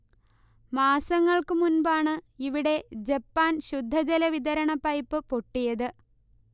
മാസങ്ങൾക്കു മുൻപാണ് ഇവിടെ ജപ്പാൻ ശുദ്ധജല വിതരണ പൈപ്പ് പൊട്ടിയത്